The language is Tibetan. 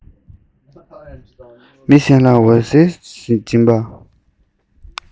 མི གཞན ལ འོད ཟེར སྦྱིན པ